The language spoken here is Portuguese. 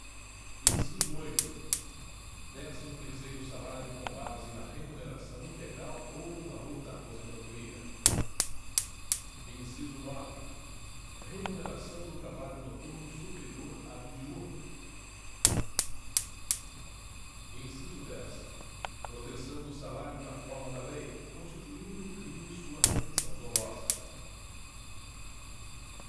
inciso oito décimo terceiro salário com base na remuneração integral ou no valor da aposentadoria inciso nove remuneração do trabalho noturno superior à do diurno inciso dez proteção do salário na forma da lei constituindo crime sua retenção dolosa